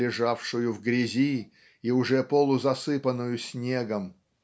лежавшую в грязи и уже полузасыпанную снегом".